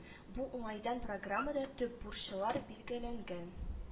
Бу уңайдан программада төп бурчылар билгеләнгән